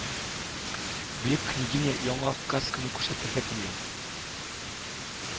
Бөек княгиня яңа касканы күрсәтергә тели